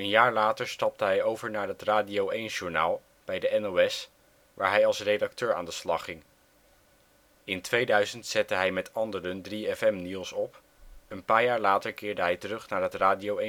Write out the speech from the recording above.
jaar later stapte hij over naar het Radio 1 Journaal bij de NOS waar hij als redacteur aan de slag ging. In 2000 zette hij met anderen 3FM-nieuws op, een paar jaar later keerde hij terug naar het Radio